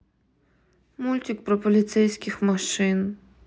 мультик про полицейских машин